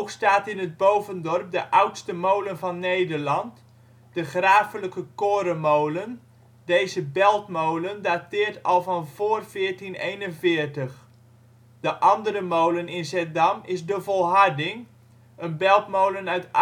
staat in het bovendorp de oudste molen van Nederland, De Grafelijke Korenmolen. Deze beltmolen dateert al van vόόr 1441. De andere molen in Zeddam is De Volharding, een beltmolen uit